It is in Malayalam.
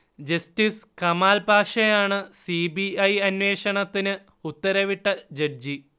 ജസ്റ്റിസ് കമാൽ പാഷയാണ് സിബിഐ അന്വേഷണത്തിന് ഉത്തരവിട്ട ജഡ്ജി